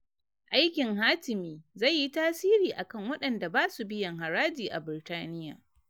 Aikin hatimi zai yi tasiri a kan waɗanda ba su biyan haraji a Birtaniya